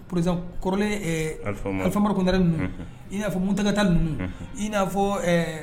Presi kɔrɔlen alifarikuntari ninnu in n'afɔ mutankata ninnu in n'a fɔ